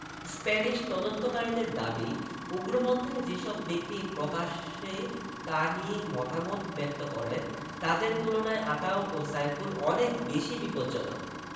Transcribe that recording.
Spanish তদন্তকারীদের দাবি উগ্রপন্থায় যেসব ব্যক্তি প্রকাশ্যে তা নিয়ে মতামত ব্যক্ত করেন তাদের তুলনায় আতাউল ও সাইফুল অনেক বেশি বিপজ্জনক